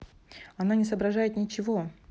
она не соображает ничего